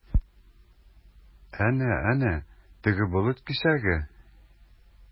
Әнә-әнә, теге болыт кисәге?